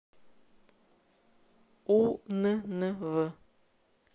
уннв